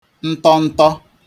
ntọ̄ntọ̄